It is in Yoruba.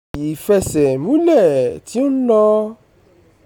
Ìfẹsẹ̀múlẹ̀ tí ó ń lọ